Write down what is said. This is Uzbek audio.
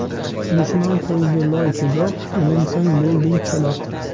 dushman qo'ydi loy tuzoq ilinsang bo'lding cho'loq